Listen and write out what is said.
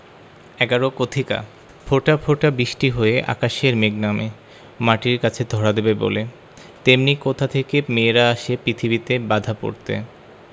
১১ কথিকা ফোঁটা ফোঁটা বৃষ্টি হয়ে আকাশের মেঘ নামে মাটির কাছে ধরা দেবে বলে তেমনি কোথা থেকে মেয়েরা আসে পৃথিবীতে বাঁধা পড়তে